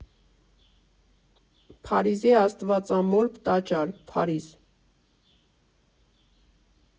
Փարիզի Աստվածամոր տաճար, Փարիզ։